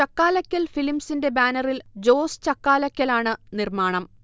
ചക്കാലക്കൽ ഫിലിംസിന്റെ ബാനറിൽ ജോസ് ചക്കലാക്കലാണ് നിർമ്മാണം